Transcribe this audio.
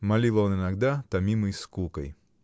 — молил он иногда, томимый скукой.